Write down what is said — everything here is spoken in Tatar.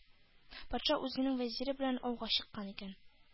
Патша үзенең вәзире белән ауга чыккан икән.